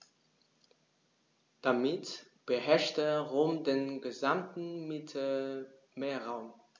Damit beherrschte Rom den gesamten Mittelmeerraum.